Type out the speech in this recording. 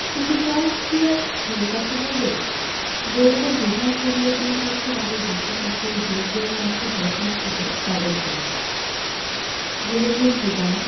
কিন্তু ফ্রান্স কি আর ছেড়ে কথা বলবে গৌরবের বিভা ছড়িয়ে ২০ বছর আগের বিশ্বকাপজয়ী বীরদের পাশে বসার সুযোগ তাদের সামনে জিনেদিন জিদান